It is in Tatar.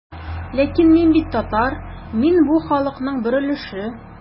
Ләкин мин бит татар, мин бу халыкның бер өлеше.